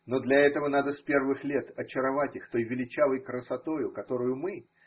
Но для этого надо с первых лет очаровать их той величавой красотою, которую мы.